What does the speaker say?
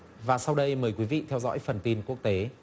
và sau đây mời quý vị theo dõi phần tin quốc tế